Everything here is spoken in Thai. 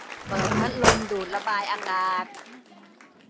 เปิดพัดลมดูดระบายอากาศ